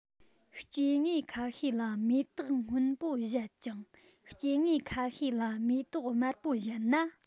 སྐྱེ དངོས ཁ ཤས ལ མེ ཏོག སྔོན པོ བཞད ཅིང སྐྱེ དངོས ཁ ཤས ལ མེ ཏོག དམར པོ བཞད ན